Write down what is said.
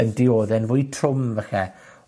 yn diodde'n fwy trwm falle